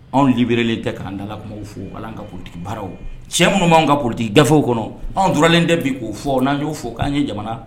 Anw blen tɛ'an dalakumaw fɔ'an katigi baara cɛ minnu b'an kadi gaw kɔnɔ anwuralen de bɛ'o fɔ n'an y'o fɔ k'an ye jamana